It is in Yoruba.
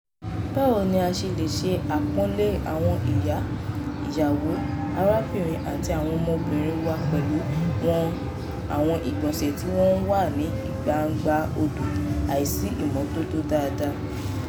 Báwo ni a ṣe lè ṣe àpọ́nlé àwọn ìyá, ìyàwó, arábìnrin àti àwọn ọmọbìnrin wa pẹ̀lú àwọn ìgbọ̀nsẹ̀ tí wọ́n wà ní gbangba odò – àìsí ìmọ́tótó dáadáa ?